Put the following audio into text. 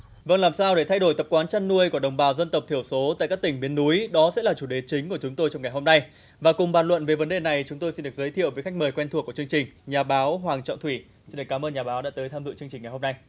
vâng làm sao để thay đổi tập quán chăn nuôi của đồng bào dân tộc thiểu số tại các tỉnh miền núi đó sẽ là chủ đề chính của chúng tôi trong ngày hôm nay và cùng bàn luận về vấn đề này chúng tôi xin được giới thiệu với khách mời quen thuộc của chương trình nhà báo hoàng trọng thủy xin được cám ơn nhà báo đã tới tham dự chương trình ngày hôm nay